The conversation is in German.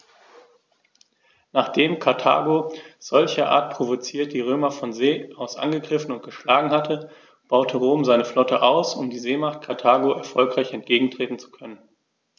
Nachdem Karthago, solcherart provoziert, die Römer von See aus angegriffen und geschlagen hatte, baute Rom seine Flotte aus, um der Seemacht Karthago erfolgreich entgegentreten zu können.